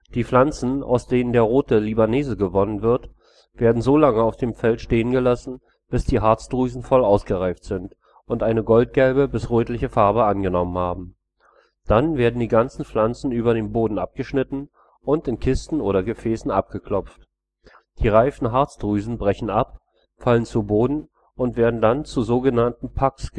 Die Pflanzen, aus denen der „ Rote Libanese” gewonnen wird, werden so lange auf dem Feld stehen gelassen, bis die Harzdrüsen voll ausgereift sind und eine goldgelbe bis rötliche Farbe angenommen haben. Dann werden die ganzen Pflanzen über dem Boden abgeschnitten und in Kisten oder Gefäßen abgeklopft. Die reifen Harzdrüsen brechen ab, fallen zu Boden und werden dann zu so genannten Pucks gepresst